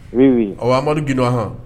Un a amadu gdo anɔn